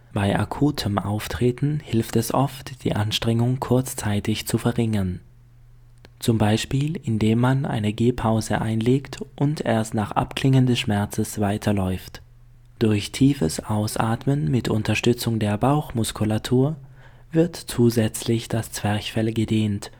Bei akutem Auftreten hilft es oft, die Anstrengung kurzzeitig zu verringern, z. B. indem man eine Gehpause einlegt und erst nach Abklingen des Schmerzes weiterläuft. Durch tiefes Ausatmen mit Unterstützung der Bauchmuskulatur wird zusätzlich das Zwerchfell gedehnt